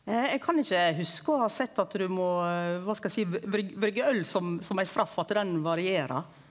eg kan ikkje hugse å ha sett at du må kva skal eg seie brygge øl som som ei straff at den varierer.